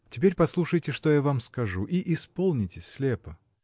Теперь послушайте, что я вам скажу, и исполните слепо.